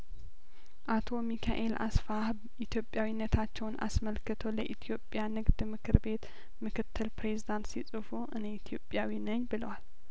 አቶ ሚካኤል አስፋህ ኢትዮጵያዊነታቸውን አስመልክተው ለኢትዮጵያ ንግድ ምክር ቤት ምክትል ፕሬዚዳንት ሲጽፉ እኔ ኢትዮጵያዊ ነኝ ብለዋል